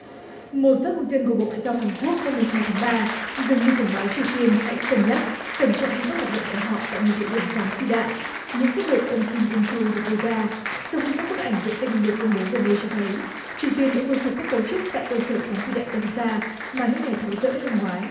một phát ngôn viên của bộ ngoại giao hàn quốc hôm mười hai tháng ba dường như cảnh báo triều tiên hãy cân nhắc cẩn trọng trong các hoạt động của họ tại một địa điểm phóng phi đạn những phát biểu của ông kim in tru được đưa ra sau khi các bức ảnh vệ tinh được công bố gần đây cho thấy triều tiên đã khôi phục các cấu trúc tại cơ sở phóng phi đạn tầm xa mà nước này tháo dỡ năm ngoái